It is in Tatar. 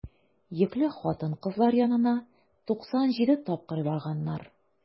Йөкле хатын-кызлар янына 97 тапкыр барганнар.